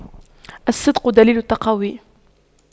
الصدق دليل التقوى